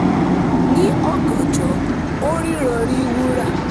Ní ọ̀gànjọ́, ó ríran rí wúrà.